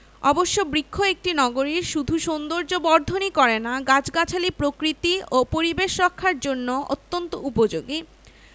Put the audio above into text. অবশ্য বৃক্ষ একটি নগরীর শুধু সৌন্দর্যবর্ধনই করে না গাছগাছালি প্রকৃতি ও পরিবেশ রক্ষার জন্যও অত্যন্ত উপযোগী